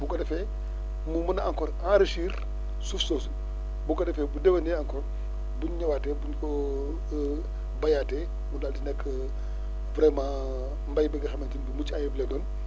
bu ko defee mu mun a encore enrichir suuf soosu bu ko defee bu déwénee encore bu ñu ñëwaatee bu ñu ko béyaatee mu daal di nekk vraiment mbéy bi nga xamante ni bu mucc ayib lay doon